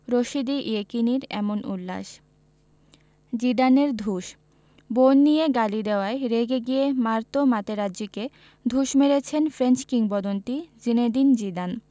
Rashidi ইয়েকিনির এমন উল্লাস জিদানের ঢুস বোন নিয়ে গালি দেওয়ায় রেগে গিয়ে মার্কো মাতেরাজ্জিকে ঢুস মেরেছেন ফ্রেঞ্চ কিংবদন্তি জিনেদিন জিদান